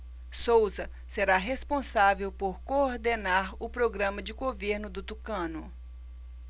souza será responsável por coordenar o programa de governo do tucano